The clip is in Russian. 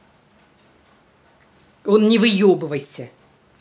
он не выебывайся